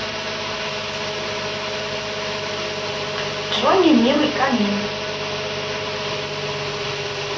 джонни милый камин